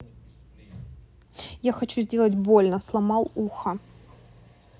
я хочу сделать больно сломал ухо